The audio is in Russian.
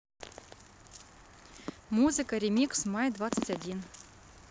музыка ремикс май двадцать один